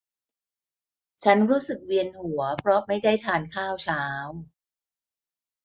ฉันรู้สึกเวียนหัวเพราะไม่ได้ทานข้าวเช้า